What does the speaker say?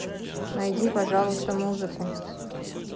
найди пожалуйста музыку